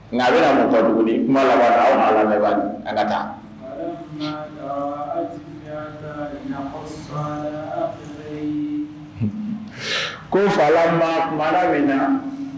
Nka a bɛna mun bɔ dugu kuma laban ko fa mara min